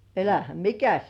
älähän mikäs